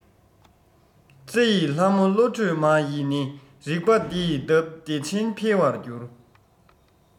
རྩི ཡི ལྷ མོ བློ གྲོས མ ཡི ནི རིག པ འདིས གདབ བདེ ཆེན འཕེལ བར འགྱུར